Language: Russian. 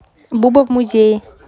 буба в музее